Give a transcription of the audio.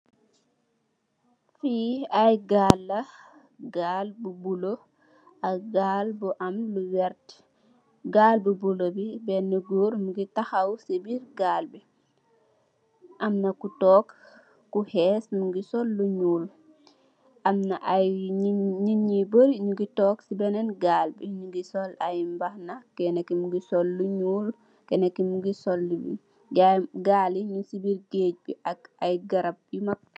Fi ay gaal la, gaal bu bulo ak gaal bi am lu vert. Gaal bu bulo bi benn gòor mungi tahaw ci biir gaal bi. Amna ku toog Ku hees mungi sol lu ñuul. Amna ay nit yu bari nungi toog ci benen gaal bi nungi sol ay mbahana kenna ki mungi sol lu ñuul kenen ki mungi sol. Gaal bi mung ci biir gèej bi ak ay garab.